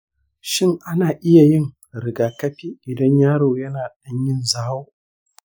shin ana iya yin rigakafi idan yaro yana dan yin zawo ?